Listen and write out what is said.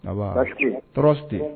An baa tɔɔrɔ si tɛ Yen.